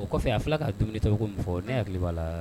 O kɔfɛ a fula ka dumuni tɛ min fɔ ne y' hakili tile b'a la